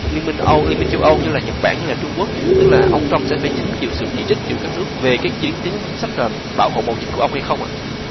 liên minh âu liên minh châu âu như là nhật bản như là trung quốc tức là ông trăm sẽ phải hứng chịu sự chỉ trích giữa các nước về cái tính chính sách bảo hộ mậu dịch của ông hay không ạ